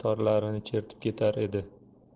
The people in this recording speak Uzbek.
torlarini chertib ketar edi